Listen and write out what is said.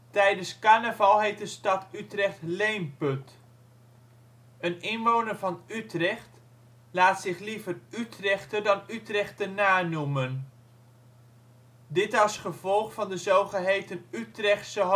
Tijdens Carnaval heet de stad Utrecht Leemput. Een inwoner van Utrecht laat zich liever Utrechter dan Utrechtenaar noemen (vgl. Hagenees voor Hagenaar). Dit als gevolg van de zogeheten Utrechtse homoseksuelenaffaire